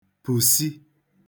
pùsi